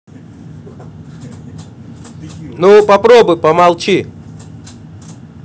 ну попробуй помолчи